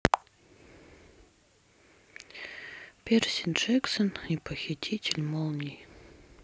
перси джексон и похититель молний